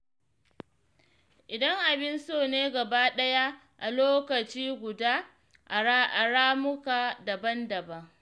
Idan abin so ne gaba ɗaya a lokaci guda a ramuka daban-daban.